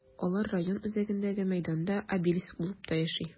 Алар район үзәгендәге мәйданда обелиск булып та яши.